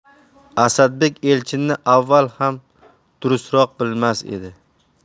asadbek elchinni avval ham durustroq bilmas edi